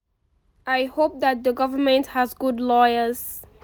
I hope that the government has good lawyers.